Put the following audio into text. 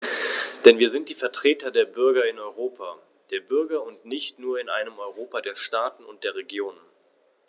Denn wir sind die Vertreter der Bürger im Europa der Bürger und nicht nur in einem Europa der Staaten und der Regionen.